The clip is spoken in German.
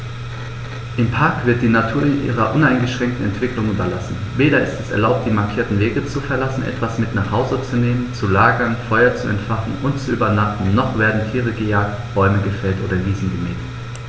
Im Park wird die Natur ihrer uneingeschränkten Entwicklung überlassen; weder ist es erlaubt, die markierten Wege zu verlassen, etwas mit nach Hause zu nehmen, zu lagern, Feuer zu entfachen und zu übernachten, noch werden Tiere gejagt, Bäume gefällt oder Wiesen gemäht.